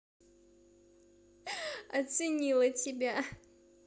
оценила тебя